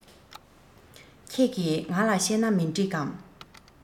ཁྱེད ཀྱི ང ལ གཤད ན མི གྲིག གམ